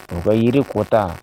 U bɛ yiri kota